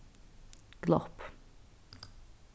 glopp